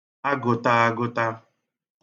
agụ̄tā agụ̄tā